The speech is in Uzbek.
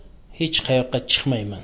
xech qayoqqa chiqmayman